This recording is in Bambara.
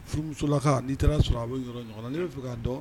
Furumusola n'i taara sɔrɔ a bɛ yɔrɔ ɲɔgɔn ne'a fɛ kaa dɔn